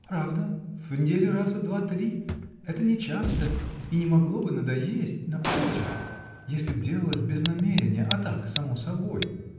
— Правда, в неделю раза два-три: это не часто и не могло бы надоесть: напротив, — если б делалось без намерения, а так, само собой.